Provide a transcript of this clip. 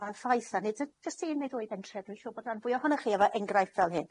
Ma'n ffaith, a nid y jyst un neu ddwy bentref, dwi'n siŵr bod ran fwya ohonoch chi efo enghraifft fel hyn.